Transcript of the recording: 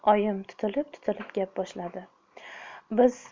oyim tutilib tutilib gap boshladi